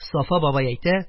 Сафа бабай әйтә: